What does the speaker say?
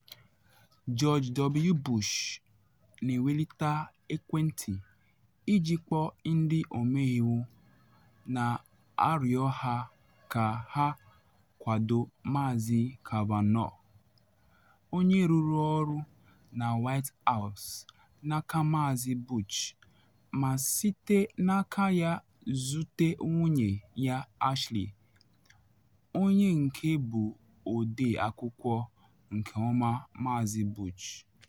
George W. Bush na ewelite ekwentị iji kpọọ Ndị Ọmeiwu, na arịọ ha ka ha kwado Maazị Kavanaugh, onye rụrụ ọrụ na White House n’aka Maazị Bush ma site n’aka ya zute nwunye ya Ashley, onye nke bụ ọde akwụkwọ nkeonwe Maazị Bush.